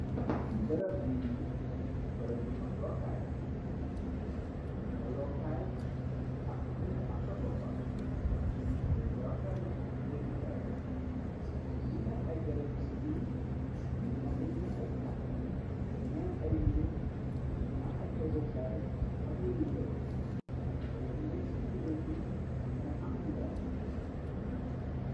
Bërab bi ni bërab bi noxlookaayla dalookaay ak xiti mit am sa boppa baret bu rafala bu jëgi dayo ni nga am ay garab be sibi ni ngi am itimit ay ñaax ni ngi am ay neeg mi ngi am ay toogokaay ak yoy wero way iytimiit seen digante mi nga am yoon.